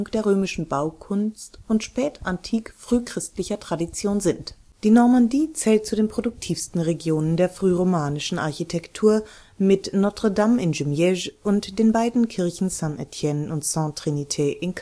römischer Baukunst und spätantik-frühchristlicher Tradition sind. Die Normandie zählt zu den produktivsten Regionen der frühromanischen Architektur mit Notre-Dame in Jumièges und den beiden Kirchen St. Étienne und Ste. Trinité in Caen